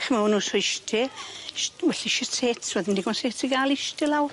Ch'mo' ma' nw swish te sh- well i sh- sets wedd dim digon set i ga'l ishte lawr.